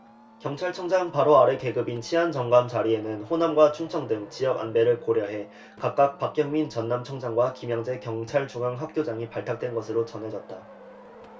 경찰청장 바로 아래 계급인 치안정감 자리에는 호남과 충청 등 지역 안배를 고려해 각각 박경민 전남청장과 김양제 경찰중앙학교장이 발탁된 것으로 전해졌다